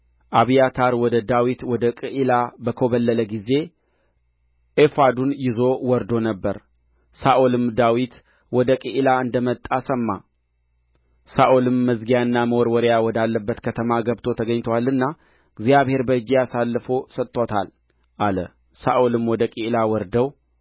አብያታር ወደ ዳዊት ወደ ቅዒላ በኰበለለ ጊዜ ኤፉዱን ይዞ ወርዶ ነበር ሳኦልም ዳዊት ወደ ቅዒላ እንደ መጣ ሰማ ሳኦልም መዝጊያና መወርወሪያ ወዳለባት ከተማ ገብቶ ተገኝቶአልና እግዚአብሔር በእጄ አሳልፎ ሰጥቶታል አለ ሳኦልም ወደ ቅዒላ ወርደው